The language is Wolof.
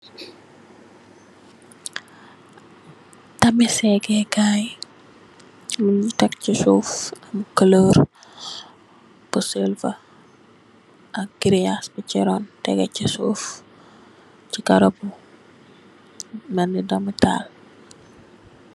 Tamex sege kai nyugi tech si suuf bu am kuluur bu silver ak giriyass bu si runn tege si suuf si karo melni domitaal.